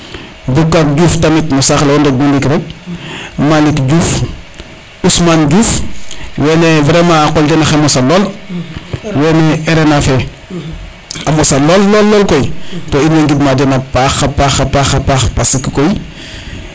Boucar Diouf no saxle o Ndonj bo ndiik rek tamit Malick Diouf Ousmane Diouf wene vraiment a qol dena qe mosa lool were RNA fe a mosa lol lol koy to in way ngidma dena a paxa paxa paax parce que koy